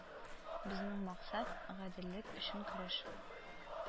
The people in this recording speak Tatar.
Безнең максат, гаделлек өчен көрәш